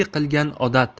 ikki qilgan odat